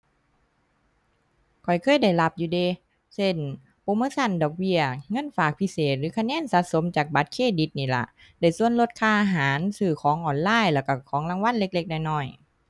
ข้อยเคยได้รับอยู่เดะ เช่น โปรโมชันดอกเบี้ยเงินฝากพิเศษหรือคะแนนสะสมจากบัตรเครดิตนี่ล่ะ ได้ส่วนลดค่าอาหาร ซื้อของออนไลน์ แล้วก็ของรางวัลเล็กเล็กน้อยน้อย